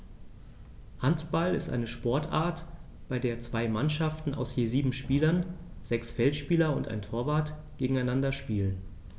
Handball ist eine Sportart, bei der zwei Mannschaften aus je sieben Spielern (sechs Feldspieler und ein Torwart) gegeneinander spielen.